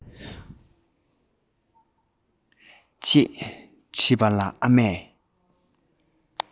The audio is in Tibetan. ཅེས དྲིས པ ལ ཨ མས